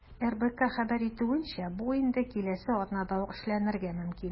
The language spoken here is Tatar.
РБК хәбәр итүенчә, бу инде киләсе атнада ук эшләнергә мөмкин.